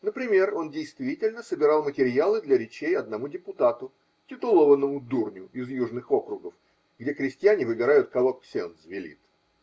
Например, он действительно собирал материалы для речей одному депутату, титулованному дурню из южных округов, где крестьяне выбирают, кого ксендз велит.